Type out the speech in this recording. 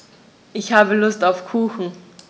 Ich habe Lust auf Kuchen.